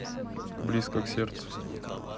близко к сердцу